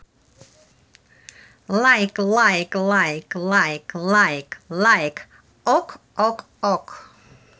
лайк лайк лайк лайк лайк лайк ок ок ок